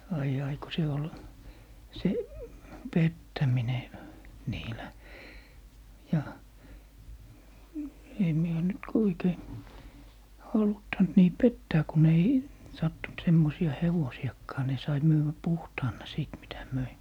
ai ai kun se oli se pettäminen niillä ja sen minä olen nyt kun oikein haluttanut niin pettää kun ei sattunut semmoisia hevosiakaan niin sai myydä puhtaana sitten mitä myi